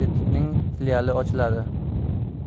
universitetining filiali ochiladi